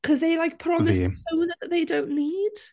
Cause they like put on this persona that they don't need.